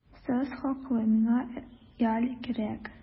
Сез хаклы, миңа ял кирәк.